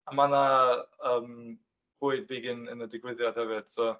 A ma' 'na yym bwyd figan yn y digwyddiad hefyd so...